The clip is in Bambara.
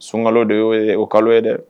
Sunkalo de yo ye . O kalo ye dɛ.